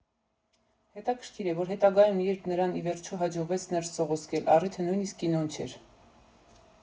Հետաքրքիր է, որ հետագայում, երբ նրան ի վերջո հաջողվեց ներս սողոսկել, առիթը նույնիսկ կինոն չէր.